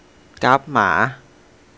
กราฟหมา